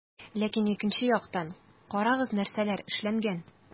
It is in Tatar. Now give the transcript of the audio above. Ләкин икенче яктан - карагыз, нәрсәләр эшләнгән.